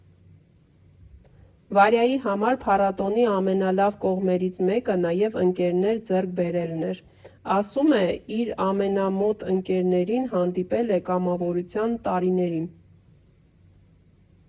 Վարյայի համար փառատոնի ամենալավ կողմերից մեկը նաև ընկերներ ձեռք բերելն էր, ասում է՝ իր ամենամոտ ընկերներին հանդիպել է կամավորության տարիներին։